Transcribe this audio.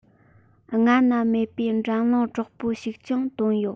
སྔ ན མེད པའི འགྲན སློང དྲག པོ ཞིག ཀྱང བཏོན ཡོད